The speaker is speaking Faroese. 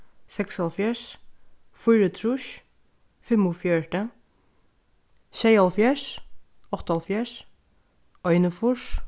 seksoghálvfjerðs fýraogtrýss fimmogfjøruti sjeyoghálvfjerðs áttaoghálvfjerðs einogfýrs